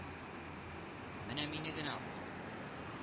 Енә мине генә алыйк. г